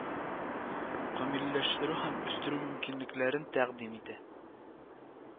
Камилләштерү һәм үстерү мөмкинлекләрен тәкъдим итә